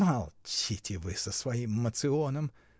— Молчите вы с своим моционом!